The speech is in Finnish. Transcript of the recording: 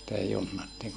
sitä junnattiin